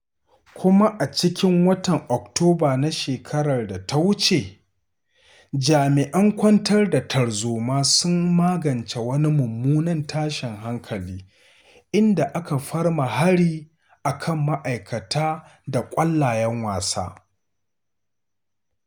Kuma a cikin watan Oktoba na shekarar da ta wuce jami’an kwantar da tarzoma sun magance wani mummunan tashin hankali inda aka farma hari a kan ma’aikata da ƙwallayen wasa.